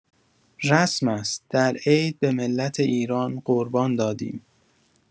رسم است؛ در عید به ملت ایران قربان دادیم.